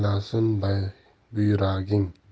yo'rg'a min bulkillasin buyraging